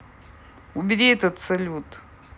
убери это салют